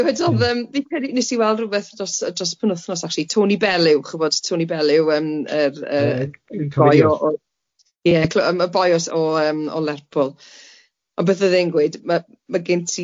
Yy wedodd yym fi credu nes i weld rwbeth dros yy dros y penwthos acshyli Tony Bellew, chi'bod Tony Bellew yym yr yy boi o o ie cl- yym y boi o s- o yym o Lerpwl ond beth o'dd e'n gweud, ma' ma' gen ti